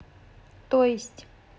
то есть